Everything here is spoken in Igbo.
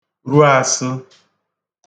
ru asə̣